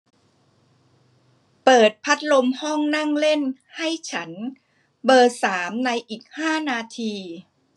เปิดพัดลมห้องนั่งเล่นให้ฉันเบอร์สามในอีกห้านาที